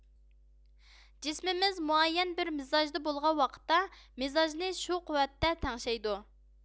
جىسمىمىز مۇئەييەن بىر مىزاجدا بولغان ۋاقىتتا مىزاجنى شۇ قۇۋۋەتتە تەڭشەيدۇ